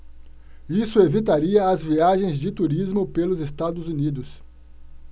isso evitaria as viagens de turismo pelos estados unidos